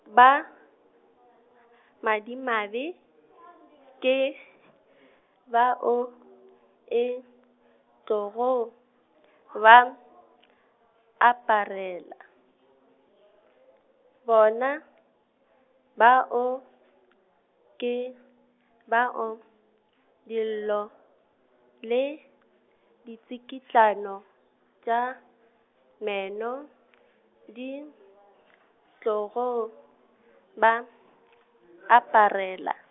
ba , madimabe, ke, bao, e, tlogo , ba , aparela, bona, bao , ke, bao, dillo, le, ditsikitlano, tša, meno , di, tlogo, ba , aparela.